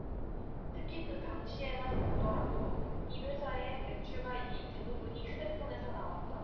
특히 그 당시에만 보더라도 이 회사의 매출과 이익 대부분이 휴대폰에서 나왔다